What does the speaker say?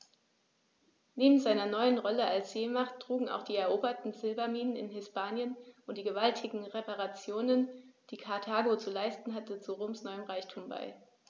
Neben seiner neuen Rolle als Seemacht trugen auch die eroberten Silberminen in Hispanien und die gewaltigen Reparationen, die Karthago zu leisten hatte, zu Roms neuem Reichtum bei.